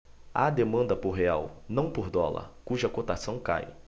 há demanda por real não por dólar cuja cotação cai